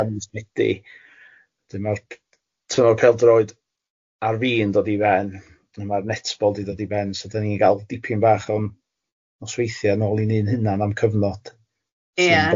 ...a mis Medi a wedyn ma'r t- tymor pêl-droed ar fin dod i ben a wedyn ma'r netball di dod i ben so dan ni'n gal dipyn bach o'n nosweithiau nôl i ni'n hunan am cyfnod... Ia.